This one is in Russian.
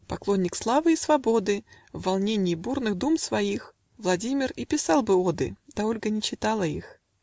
Поклонник славы и свободы, В волненье бурных дум своих, Владимир и писал бы оды, Да Ольга не читала их.